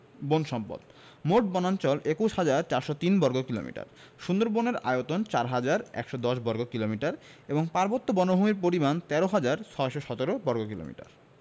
বন সম্পদঃ মোট বনাঞ্চল ২১হাজার ৪০৩ বর্গ কিলোমিটার সুন্দরবনের আয়তন ৪হাজার ১১০ বর্গ কিলোমিটার এবং পার্বত্য বনভূমির পরিমাণ ১৩হাজার ৬১৭ বর্গ কিলোমিটার